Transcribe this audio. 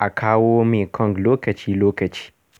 a ruwan Mekong lokaci-lokaci.